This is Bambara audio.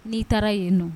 N'i taara yen nɔ